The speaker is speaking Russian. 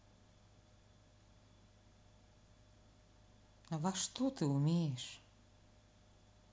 а во что ты умеешь